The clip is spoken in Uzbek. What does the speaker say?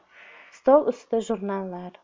stol ustida jurnallar